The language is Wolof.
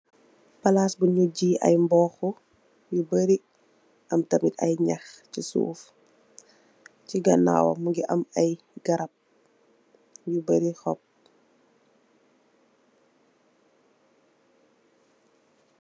Palaas buñu gih aye mboxu, yu beuri, am tamit aye ñax chi suuf, chi ganaawam mungi am aye garap yu beuri xop.